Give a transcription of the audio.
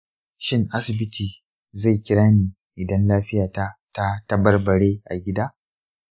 shin asibiti zai kira ni idan lafiyata ta tabarbare a gida?